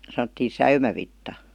sanottiin säynävitsa